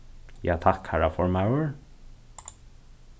ja takk harra formaður